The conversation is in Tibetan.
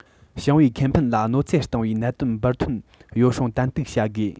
ཞིང པའི ཁེ ཕན ལ གནད འཚེ བཏང བའི གནད དོན འབུར ཐོན ཡོ བསྲང ཏན ཏིག བྱ དགོས